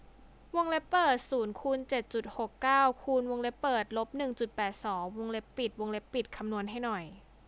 วงเล็บเปิดศูนย์คูณเจ็ดจุดหกเก้าคูณวงเล็บเปิดลบหนึ่งจุดแปดสองวงเล็บปิดวงเล็บปิดคำนวณให้หน่อย